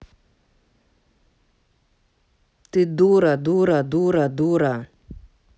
ты дура дура дура дура